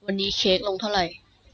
วันนี้เค้กลงเท่าไหร่